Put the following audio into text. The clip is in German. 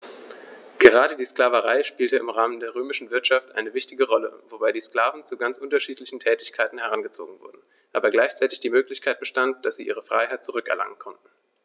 Gerade die Sklaverei spielte im Rahmen der römischen Wirtschaft eine wichtige Rolle, wobei die Sklaven zu ganz unterschiedlichen Tätigkeiten herangezogen wurden, aber gleichzeitig die Möglichkeit bestand, dass sie ihre Freiheit zurück erlangen konnten.